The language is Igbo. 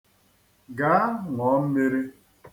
Gaa, ṅụọ mmiri.